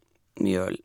Mye øl.